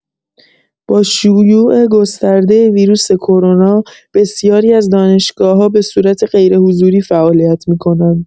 با شیوع گستردۀ ویروس کرونا، بسیاری از دانشگاه‌‌ها به صورت غیرحضوری فعالیت می‌کنند.